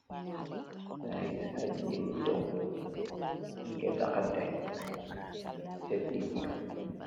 Mayui giss aay jigain yui daw yinga daxante serkuy jiitu